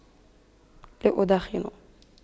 لا أدخن